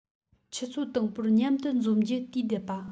ཆུ ཚོད དང པོར མཉམ དུ འཛོམ རྒྱུའི དུས གདབ པ